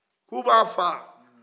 ko u bɛ a faa